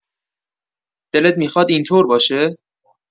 دلت می‌خواد اینطور باشه؟